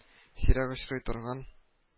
Сирәк очрый торган